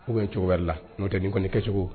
Ko bɛ cogo wɛrɛ la n'o tɛ ni kɔni kɛ cogo